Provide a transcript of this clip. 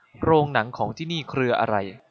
โรงหนังของที่นี่เครืออะไร